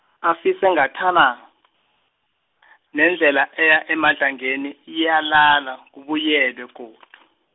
afise ngathana , nendlela eya eMadlangeni, iyalala, kubuyelwe godu.